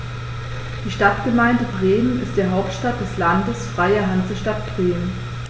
Die Stadtgemeinde Bremen ist die Hauptstadt des Landes Freie Hansestadt Bremen.